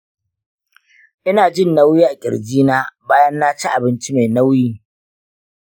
ina jin nauyi a ƙirji na bayan naci abinci mai nauyi.